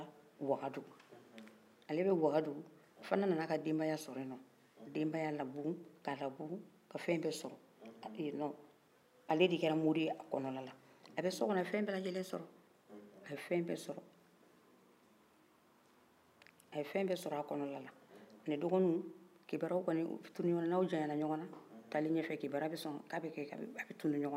o fana nana ka denbaya sɔrɔ ye nɔn ka labugu ka fɛn bɛɛ sɔrɔ a bɛ ye nɔn ale de kɛra mori ye a kɔnɔna na a bɛ sokɔnɔ a ye fɛn bɛɛ lajɛlen sɔrɔ a ye fɛn bɛɛ sɔrɔ a ffana dɔgɔniw kibari yaw tununan ɲɔgɔnan n'aw janyara dɔrɔn kibaruya bɛ tunu ɲɔgɔnan